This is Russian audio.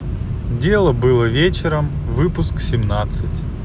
дело было вечером выпуск семнадцать